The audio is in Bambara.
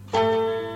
Nse